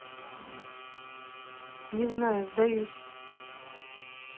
не знаю сдаюсь